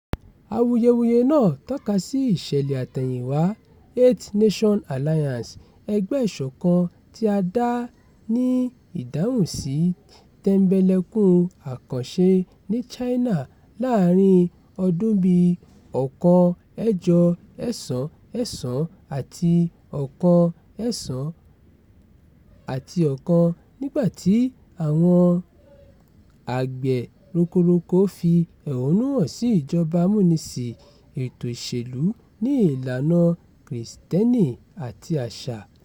Awuyewuye náà tọ́ka sí ìṣẹ̀lẹ̀-àtẹ̀yìnwá Eight-Nation Alliance, ẹgbẹ́ ìṣọ̀kan tí a dá ní ìdáhùnsí Tẹ̀mbẹ̀lẹ̀kun Akànṣẹ́ ní China láàárín-in ọdún 1899 àti 1901 nígbàtí àwọn àgbẹ̀ rokoroko fi ẹ̀hónú hàn sí ìjọba amúnisìn, ètò ìṣèlú ní ìlànà Krìstẹ́nì àti àṣà.